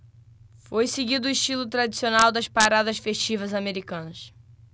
foi seguido o estilo tradicional das paradas festivas americanas